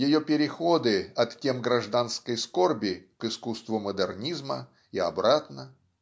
ее переходы от тем гражданской скорби к искусству модернизма и обратно.